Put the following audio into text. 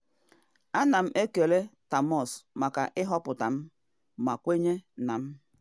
Ana m ekele Thomas maka ịhọpụta m ma kwenye na m.